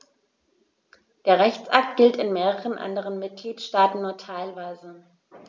Der Rechtsakt gilt in mehreren anderen Mitgliedstaaten nur teilweise.